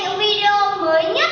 đi ô mới nhất